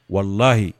Walayi